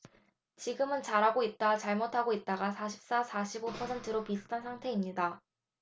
지금은 잘하고 있다와 잘못하고 있다가 사십 사 사십 오 퍼센트로 비슷한 상태입니다